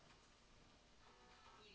зарядка для тех кому за пятьдесят